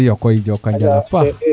iyo koy njokonjal a paax